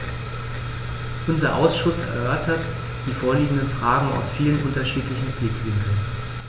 Unser Ausschuss erörtert die vorliegenden Fragen aus vielen unterschiedlichen Blickwinkeln.